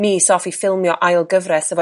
mis off i ffilmio ail gyfres